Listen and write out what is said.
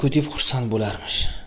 deb xursand bo'larmish